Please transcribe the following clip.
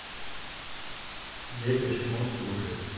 депеш мод слушать